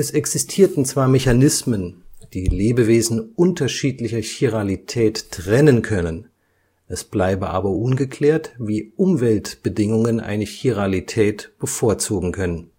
existierten zwar Mechanismen, die Lebewesen unterschiedlicher Chiralität trennen können, es bleibe aber ungeklärt, wie Umweltbedingungen eine Chiralität bevorzugen können